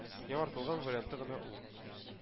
Яңартылган варианты гына ул.